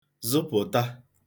zụ̀pụta